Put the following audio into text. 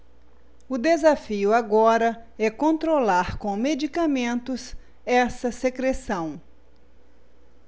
o desafio agora é controlar com medicamentos essa secreção